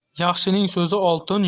yaxshining so'zi oltin